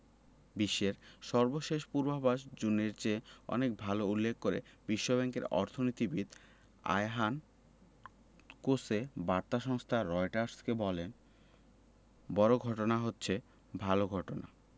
বিশ্বের সর্বশেষ পূর্বাভাস জুনের চেয়ে অনেক ভালো উল্লেখ করে বিশ্বব্যাংকের অর্থনীতিবিদ আয়হান কোসে বার্তা সংস্থা রয়টার্সকে বলেন বড় ঘটনা হচ্ছে ভালো ঘটনা